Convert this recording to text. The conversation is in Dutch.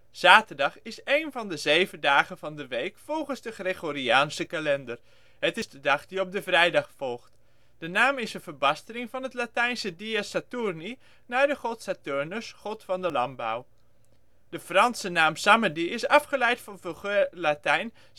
Zaterdag is een van de zeven dagen van de week volgens de Gregoriaanse kalender. Het is de dag die op de vrijdag volgt. De naam is een verbastering van het Latijnse: dies Saturni, naar de god Saturnus, god van de landbouw. De Franse naam samedi is afgeleid van Vulgair-Latijn